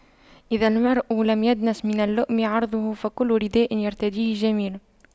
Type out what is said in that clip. إذا المرء لم يدنس من اللؤم عرضه فكل رداء يرتديه جميل